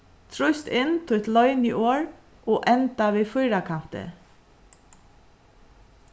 trýst inn títt loyniorð og enda við fýrakanti